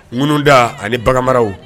Ŋunuda ani baganmaraw